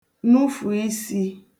nufụ̀isī